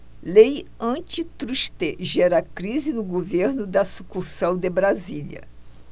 lei antitruste gera crise no governo da sucursal de brasília